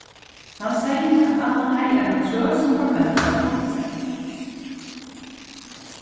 hann segði at hann hevði eina trøð sum formelt var pantsett